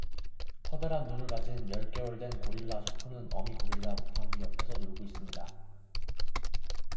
커다란 눈을 가진 열 개월 된 고릴라 소포는 어미 고릴라 모팜비 옆에서 놀고 있습니다